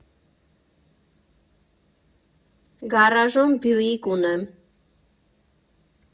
Գառաժում Բյուիկ ունեմ։